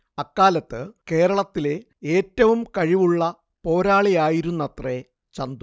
അക്കാലത്ത് കേരളത്തിലെ ഏറ്റവും കഴിവുള്ള പോരാളിയായിരുന്നത്രേ ചന്തു